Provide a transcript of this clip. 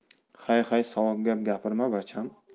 hay hay sovuq gap gapirma bacham